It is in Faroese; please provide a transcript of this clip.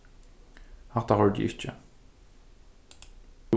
hatta hoyrdi eg ikki